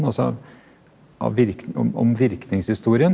altså av om om virkningshistorien?